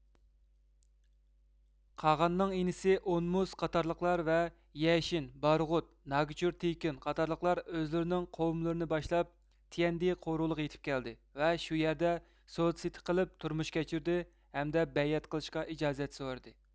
قاغاننىڭ ئىنىسى ئونمۇس قاتارلىقلار ۋە يەشىن بارغۇت ناگچۇر تېكىن قاتارلىقلار ئۆزلىرىنىڭ قوۋمىلىرىنى باشلاپ تيەندې قورۇلىغا يېتىپ كەلدى ۋە شۇ يەردە سودا سېتىق قىلىپ تۇرمۇش كەچۈردى ھەمدە بەيئەت قىلىشقا ئىجازەت سورىدى